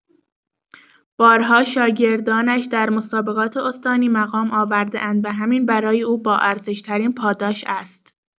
بارها شاگردانش در مسابقات استانی مقام آورده‌اند و همین برای او باارزش‌ترین پاداش است.